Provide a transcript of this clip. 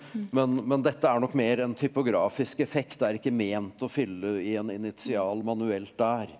men men dette er nok mer enn typografisk effekt det er ikke ment å fylle i en initial manuelt der.